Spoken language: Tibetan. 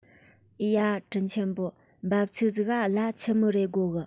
ཡ དྲིན ཆེན པོ འབབ ཚིགས ཟིག ག གླ ཆི མོ རེ དགོ གི